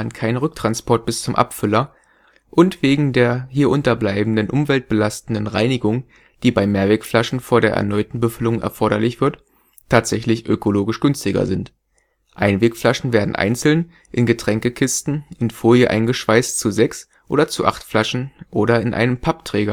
kein Rücktransport bis zum Abfüller) und wegen der hier unterbleibenden umweltbelastenden Reinigung, die bei Mehrwegflaschen vor der erneuten Befüllung erforderlich wird, tatsächlich ökologisch günstiger sind. Einwegflaschen werden einzeln, in Getränkekisten, in Folie eingeschweißt zu sechs oder acht Flaschen oder in einem Pappträger